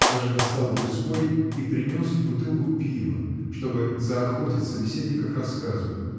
даже достал в людской и принес бутылку пива, чтобы заохотить собеседника к рассказу.